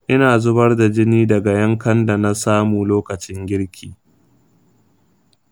ina zubar da jini daga yankan da na samu lokacin girki.